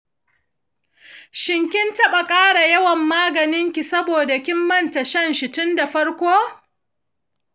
shin kin taɓa ƙara yawan maganinki saboda kin manta shan shi tun da farko?